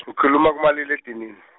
ngu khuluma kumaliledinini .